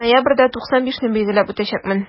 Ноябрьдә 95 не билгеләп үтәчәкмен.